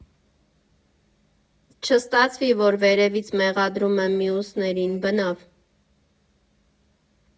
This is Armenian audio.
Չստացվի, որ վերևից մեղադրում եմ մյուսներին, բնավ։